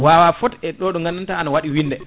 wawa foot e ɗo ɗo gandanta an waɗi winnde